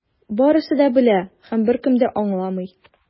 Барысы да белә - һәм беркем дә аңламый.